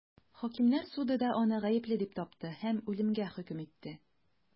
Хакимнәр суды да аны гаепле дип тапты һәм үлемгә хөкем итте.